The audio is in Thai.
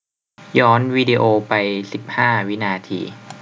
ย้อนวีดีโอไปสิบห้าวินาที